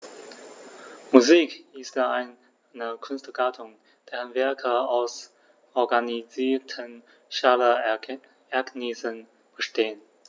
Musik ist eine Kunstgattung, deren Werke aus organisierten Schallereignissen bestehen.